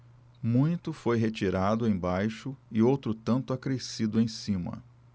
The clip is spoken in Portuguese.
muito foi retirado embaixo e outro tanto acrescido em cima